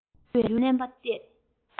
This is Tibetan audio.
གཉིད དུ ཡུར བའི རྣམ པར བལྟས